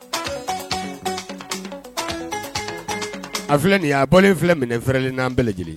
A filɛ nin ye a bɔlen filɛ minɛ fɛrɛrɛlen na an bɛɛ lajɛlen